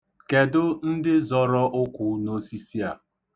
Kedu ndị zọrọ ụkwụ n'osisi a?